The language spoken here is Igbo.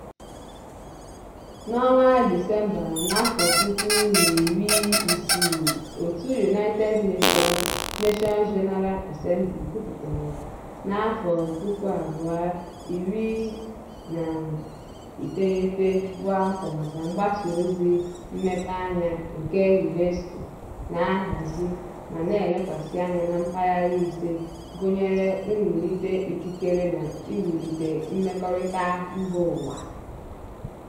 Na Disemba 2016, òtù United Nations General Assembly kwupụtara na 2019 bụ afọ maka mgbasaozi mmepeanya nke UNESCO na-ahazi ma na-elekwasị anya na mpaghara ise, gụnyere mwulite ikikere na iwulite mmekọrịta mbaụwa.